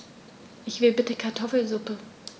Ich will bitte Kartoffelsuppe.